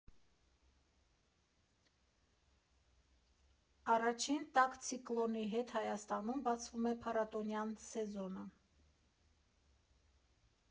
Առաջին տաք ցիկլոնի հետ Հայաստանում բացվում է փառատոնային սեզոնը։